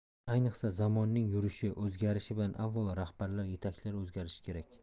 ayniqsa zamonning yurishi o'zgarishi bilan avvalo rahbarlar yetakchilar o'zgarishi kerak